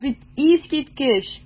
Бу бит искиткеч!